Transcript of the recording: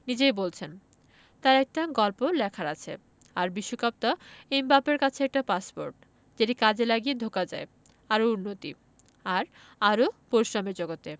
নিজেই বলছেন তাঁর একটা গল্প লেখার আছে আর বিশ্বকাপটা এমবাপ্পের কাছে একটা পাসপোর্ট যেটি কাজে লাগিয়ে ঢোকা যায় আরও উন্নতি আর আরও পরিশ্রমের জগতে